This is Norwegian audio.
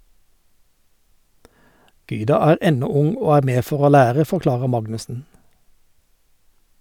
- Gyda er ennå ung og er med for å lære, forklarer Magnussen.